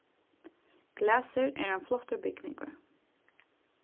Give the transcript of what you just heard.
glasir er ein flottur bygningur